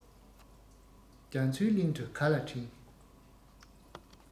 རྒྱ མཚོའི གླིང དུ ག ལ བྲིན